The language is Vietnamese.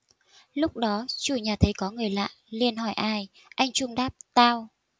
lúc đó chủ nhà thấy có người lạ liền hỏi ai anh trung đáp tao